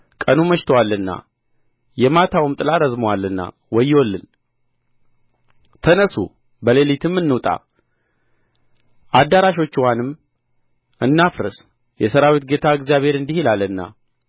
ቀኑ መሽቶአልና የማታውም ጥላ ረዝሞአልና ወዮልን ተነሡ በሌሊትም እንውጣ አዳራሾችዋንም እናፍርስ የሠራዊት ጌታ እግዚአብሔር እንዲህ ይላልና